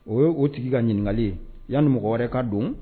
O ye o tigi ka ɲininkali ye yani mɔgɔ wɛrɛ ka don